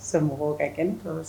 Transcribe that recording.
Somɔgɔw ka kɛnɛ? tɔɔrɔ tɛ.